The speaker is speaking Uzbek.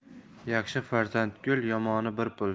yaxshi farzand gul yomoni bir pul